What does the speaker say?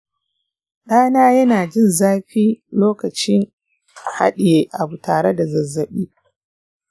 ɗana yana jin zafi lokacin haɗiye abu tare da zazzabi.